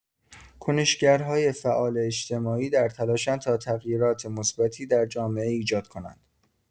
کنش‌گرهای فعال اجتماعی در تلاشند تا تغییرات مثبتی در جامعه ایجاد کنند.